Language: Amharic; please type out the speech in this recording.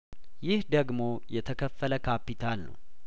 ይህ ደግሞ የተከፈለካፒታል ነው